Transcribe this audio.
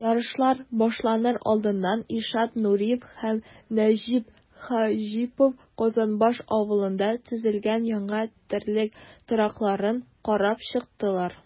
Ярышлар башланыр алдыннан Илшат Нуриев һәм Нәҗип Хаҗипов Казанбаш авылында төзелгән яңа терлек торакларын карап чыктылар.